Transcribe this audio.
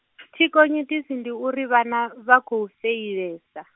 thikhonyitisi ndi uri vhana, vha khou feilesa.